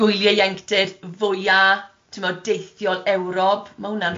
gwylie ieuenctid fwya timod deithiol Ewrop, ma' hwnna'n rwbeth